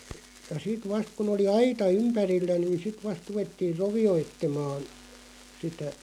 ja sitten vasta kun oli aita ympärillä niin sitten vasta ruvettiin rovioitsemaan sitä